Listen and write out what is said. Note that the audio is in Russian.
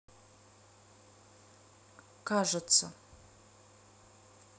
кажется